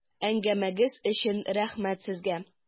Әңгәмәгез өчен рәхмәт сезгә!